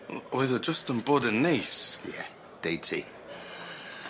Oedd o jyst yn bod yn neis. Ie, deud ti.